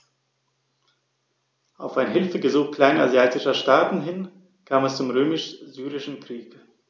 Auf ein Hilfegesuch kleinasiatischer Staaten hin kam es zum Römisch-Syrischen Krieg.